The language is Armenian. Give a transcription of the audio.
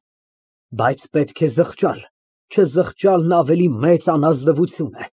Ես ունիմ իմ ձեռքում փաստեր, որոնք քարերին անգամ կարող են համոզել, թե մեր հայրը կողոպտել է մի որբ ընտանիք, և կողոպտել է ամենայն անգթությամբ։